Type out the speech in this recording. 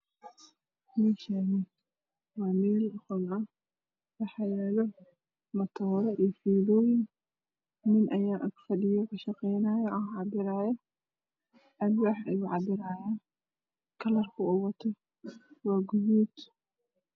Meshana waa mel qol waxayalo matore io filoyin nin aya agfadhiyo oo kashaqeynayo alwax ayow cabiraya kalarka oow wato waa gaduud